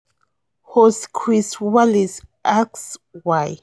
Host Chris Wallace asked why.